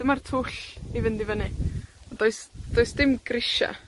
dyma'r twll i fynd i fyny, ond does, does, dim grisia.